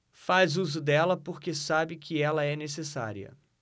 faz uso dela porque sabe que ela é necessária